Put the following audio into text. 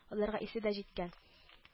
Аларга исе дә җиткән